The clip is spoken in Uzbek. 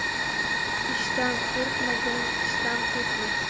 ishdan qo'rqmagan qishdan qo'rqmas